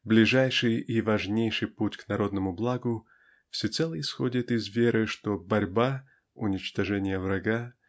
-- ближайший и важнейший путь к народному благу всецело исходит из веры что борьба уничтожение врага